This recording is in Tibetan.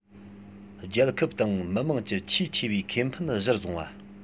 རྒྱལ ཁབ དང མི དམངས ཀྱི ཆེས ཆེ བའི ཁེ ཕན གཞིར བཟུང བ